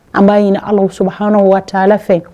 An b'a ɲini Alahu subahanahu wataala fɛ